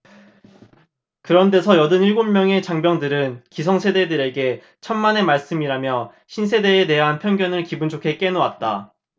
그런 데서 여든 일곱 명의 장병들은 기성세대들에게 천만의 말씀이라며 신세대에 대한 편견을 기분좋게 깨놓았다